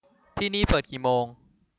ที่นี่เปิดกี่โมง